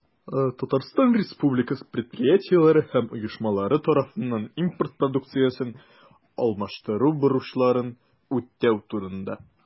Татарстан Республикасы предприятиеләре һәм оешмалары тарафыннан импорт продукциясен алмаштыру бурычларын үтәү турында.